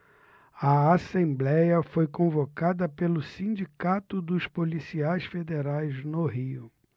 a assembléia foi convocada pelo sindicato dos policiais federais no rio